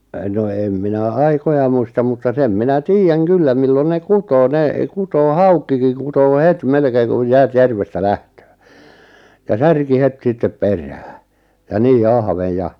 no en minä aikoja muista mutta sen minä tiedän kyllä milloin ne kutee ne kutee haukikin kutee heti melkein kun jäät järvestä lähtee ja särki heti sitten perään ja niin ahven ja